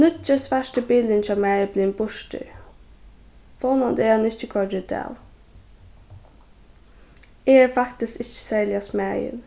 nýggi svarti bilurin hjá mær er blivin burtur vónandi er hann ikki koyrdur útav eg eri faktiskt ikki serliga smæðin